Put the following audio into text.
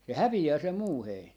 se häviää se muu heinä